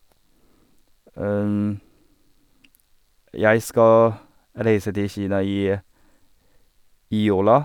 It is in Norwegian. Jeg skal reise til Kina i i jula.